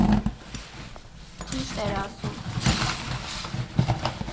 Ճիշտ էր ասում։